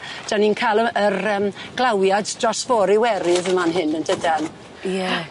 'Dan ni'n ca'l y- yr yym glawiad dros fôr Iwerydd yn fan hyn yndydan? Ie.